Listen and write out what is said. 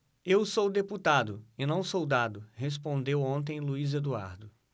eu sou deputado e não soldado respondeu ontem luís eduardo